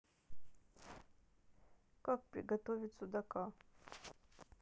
как приготовить судака